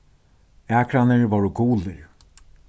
akrarnir vóru gulir